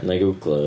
Wnai googleo fo.